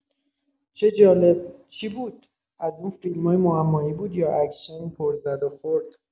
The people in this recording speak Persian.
چه جالب، چی بود؟ از اون فیلمای معمایی بود یا اکشن پر زد و خورد؟